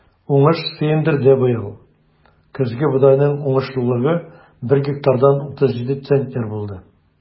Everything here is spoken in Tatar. Уңыш сөендерде быел: көзге бодайның уңышлылыгы бер гектардан 37 центнер булды.